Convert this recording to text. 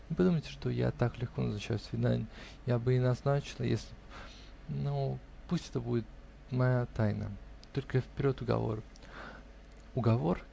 не подумайте, что я так легко назначаю свидания. Я бы и назначила, если б. Но пусть это будет моя тайна! Только вперед уговор. -- Уговор!